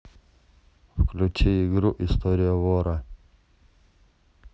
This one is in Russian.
включи игру история вора